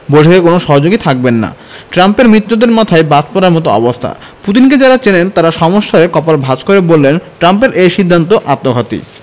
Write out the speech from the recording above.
বৈঠকে কোনো সহযোগী থাকবেন না ট্রাম্পের মিত্রদের মাথায় বাজ পড়ার মতো অবস্থা পুতিনকে যাঁরা চেনেন তাঁরা সমস্বরে কপাল ভাঁজ করে বললেন ট্রাম্পের এই সিদ্ধান্ত আত্মঘাতী